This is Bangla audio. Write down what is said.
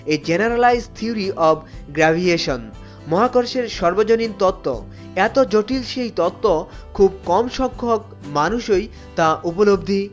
A generalised theory of gravitation মহাকর্ষের সার্বজনীন তত্ত্ব এত জটিল সেই তত্ত্ব খুব কম সংখ্যক মানুষই তা উপলব্ধি